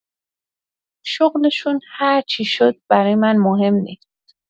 شغلشون هرچی شد، برای من مهم نیست؛